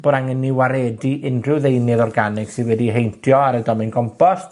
bod angen i ni waredu unrhyw ddeunydd organig sydd wedi heintio ar y domen gompos,